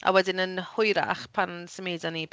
A wedyn yn hwyrach pan symudon ni